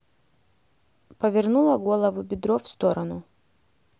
повернула голову бедро в сторону